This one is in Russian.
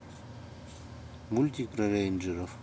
мультик про рейнджеров